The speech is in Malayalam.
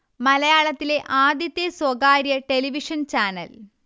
മലയാളത്തിലെ ആദ്യത്തെ സ്വകാര്യ ടെലിവിഷൻ ചാനൽ